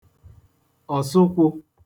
òsụkwụ̄